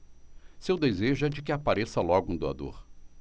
seu desejo é de que apareça logo um doador